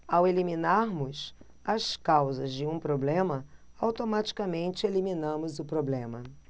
ao eliminarmos as causas de um problema automaticamente eliminamos o problema